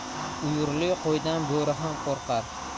uyurli qo'ydan bo'ri ham qo'rqar